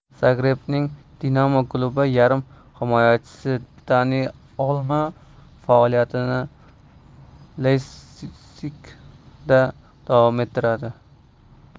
zagrebning dinamo klubi yarim himoyachisi dani olmo faoliyatini leypsig da davom ettiradi